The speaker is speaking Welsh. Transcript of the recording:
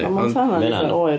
Ond mae'r talons eitha oer.